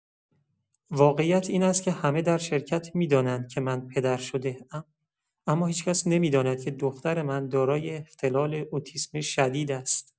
واقعیت این است که همه در شرکت می‌دانند که من پدر شده‌ام، اما هیچ‌کس نمی‌داند که دختر من داری اختلال اتیسم شدید است.